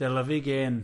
Dylyfu gên.